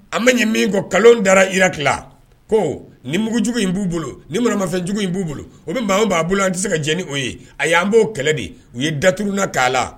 An bɛ ɲɛ min kɔ kalo dara irati ko ni mugujugu in b'u bolo ni manamasafɛnjugu in b'u bolo o bɛ maa b'a bolo an tɛ se ka' ye a y'an b'o kɛlɛ de u ye daturununa k'a la